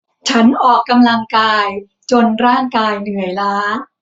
ฉันออกกำลังกายจนร่างกายเหนื่อยล้า